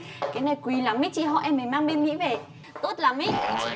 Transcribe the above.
cái này quý lắm ý chị họ em mới mang bên mỹ về tốt lắm ý